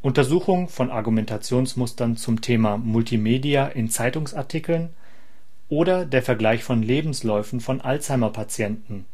Untersuchung von Argumentationsmustern zum Thema " Multimedia " in Zeitungsartikeln oder der Vergleich von Lebensläufen von Alzheimer-Patienten